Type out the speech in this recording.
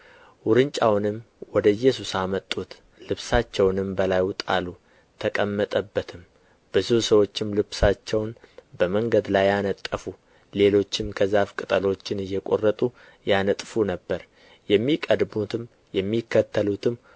ውርንጫውንም ወደ ኢየሱስ አመጡት ልብሳቸውንም በላዩ ጣሉ ተቀመጠበትም ብዙ ሰዎችም ልብሳቸውን በመንገድ ላይ አነጠፉ ሌሎችም ከዛፍ ቅጠሎችን እየቈረጡ ያነጥፉ ነበር የሚቀድሙትም የሚከተሉትም